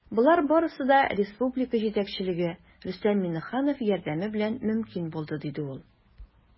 Болар барысы да республика җитәкчелеге, Рөстәм Миңнеханов, ярдәме белән мөмкин булды, - диде ул.